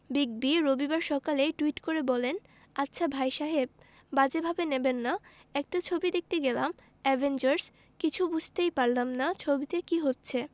big B রবিবার সকালেই tweet করে বলেন আচ্ছা ভাই সাহেব বাজে ভাবে নেবেন না একটা ছবি দেখতে গেলাম অ্যাভেঞ্জার্স কিছু বুঝতেই পারলাম না ছবিতে কী হচ্ছে